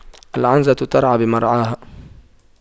العنزة ترعى بمرعاها